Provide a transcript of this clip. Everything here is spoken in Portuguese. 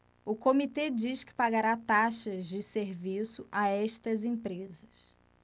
o comitê diz que pagará taxas de serviço a estas empresas